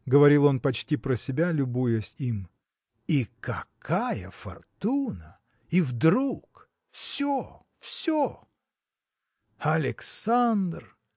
– говорил он почти про себя, любуясь им. – И какая фортуна! и вдруг! все! все!. Александр!